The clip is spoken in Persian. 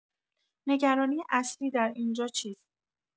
نگرانی اصلی در اینجا چیست؟